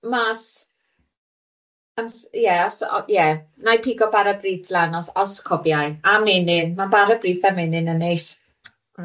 Mas ams- ie os o- ie wna i pigo bara brith lân os os cobiai a menyn, ma'n bara brith a menyn yn neis.